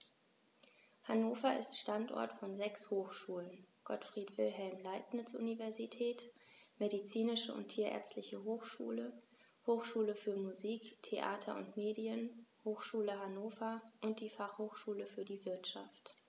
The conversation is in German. Hannover ist Standort von sechs Hochschulen: Gottfried Wilhelm Leibniz Universität, Medizinische und Tierärztliche Hochschule, Hochschule für Musik, Theater und Medien, Hochschule Hannover und die Fachhochschule für die Wirtschaft.